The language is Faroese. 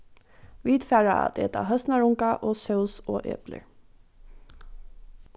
vit fara at eta høsnarunga og sós og eplir